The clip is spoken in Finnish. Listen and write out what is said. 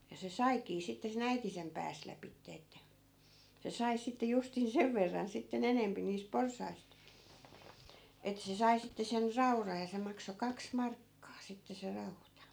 ja se saikin sitten sen äiti sen pääsi lävitse että se sai sitten justiin sen verran sitten enempi niistä porsaista että se sai sitten sen raudan ja se maksoi kaksi markkaa sitten se rauta